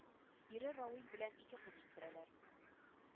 Ире равил белән ике кыз үстерәләр